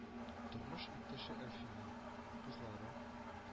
Тормыш иптәше әлфинә, кызлары